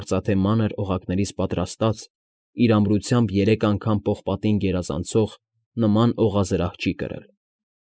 Արծաթե մանր օղակներից պատրաստած, իր ամրությամբ երեք անգամ պողպաատն գերազանցող նման օղազրահ չի կրել։